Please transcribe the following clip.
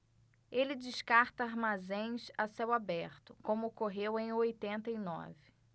ele descarta armazéns a céu aberto como ocorreu em oitenta e nove